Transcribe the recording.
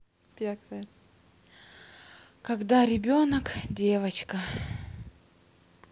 что делать когда ребенок девочка